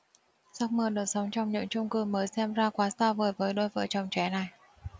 giấc mơ được sống trong những chung cư mới xem ra quá xa vời với đôi vợ chồng trẻ này